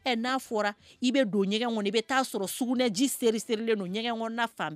Ɛ n'a fɔra i bɛ don ɲɛgɛn i bɛ taa'a sɔrɔ sɛ ji seliere selierelen don ɲɛgɛn